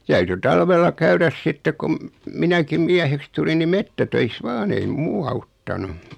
täytyi talvella käydä sitten kun minäkin mieheksi tulin niin metsätöissä vain ei muu auttanut